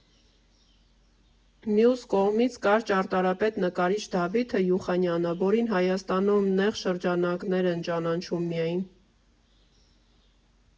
Մյուս կողմից՝ կար ճարտարապետ, նկարիչ Դավիթը Յուխանյանը, որին Հայաստանում նեղ շրջանակներ են ճանաչում միայն։